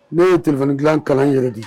Ne ye téléphone dilan kalan yɛrɛ de